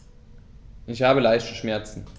Ich habe leichte Schmerzen.